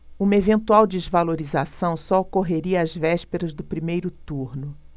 uma eventual desvalorização só ocorreria às vésperas do primeiro turno